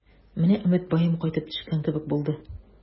Менә Өметбаем кайтып төшкән кебек булды.